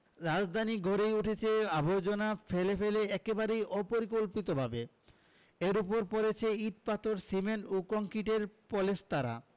রাজধানী গড়েই উঠেছে আবর্জনা ফেলে ফেলে একেবারেই অপরিকল্পিতভাবে এর ওপর পড়েছে ইট পাথর সিমেন্ট ও কংক্রিটের পলেস্তারা